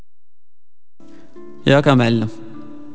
يا معلم